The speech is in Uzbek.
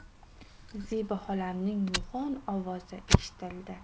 zebi xolaning yo'g'on ovozi eshitildi